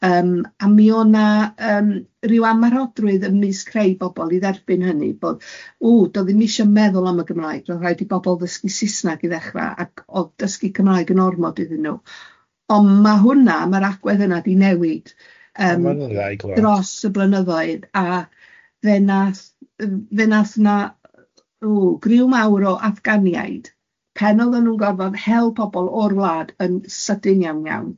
Yym a mi o' na yym ryw amarhodrwydd ymysg rhei bobl i dderbyn hynny, bod ww doedd ddim isio meddwl am y Gymraeg, roedd rhaid i bobl ddysgu Saesneg i ddechrau, ac oedd dysgu Cymraeg yn ormod iddyn nhw, ond ma' hwnna, ma'r agwedd yna di newid yym dros y blynyddoedd, a fe wnaeth fe wnaeth yna ww griw mawr o Affganiaid, pen oddan nhw'n gorfod hel pobl o'r wlad yn sydyn iawn iawn,